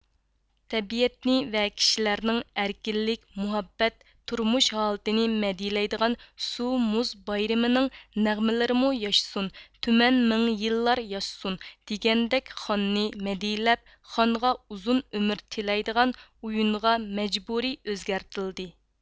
تەبىئەتنى ۋە كىشىلەرنىڭ ئەركىنلىك مۇھەببەت تۇرمۇش ھالىتىنى مەدھىيلەيدىغان سۇ مۇز بايرىمىنىڭ نەغمىلىرىمۇ ياشىسۇن تۈمەن مىڭ يىللار ياشىسۇن دېگەندەك خاننى مەدھىيلەپ خانغا ئۇزۇن ئۆمۈر تىلەيدىغان ئۇيۇنغا مەجبۇرى ئۆزگەرتىلدى